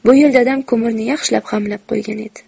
bu yil dadam ko'mirni yaxshilab g'amlab qo'ygan edi